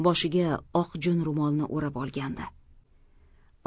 boshiga oq jun ro'molini o'rab olgandi